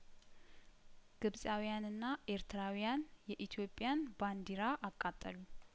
ግብጻዊያንና ኤርትራዊያን የኢትዮጵያን ባንዲራ አቃጠሉ